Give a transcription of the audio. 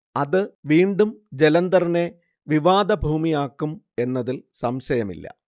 അത് വീണ്ടും ജലന്ധറിനെ വിവാദഭൂമിയാക്കും എന്നതിൽ സംശയമില്ല